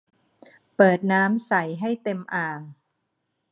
เปิดน้ำใส่ให้เต็มอ่าง